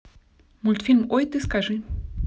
мультфильм ой ты скажи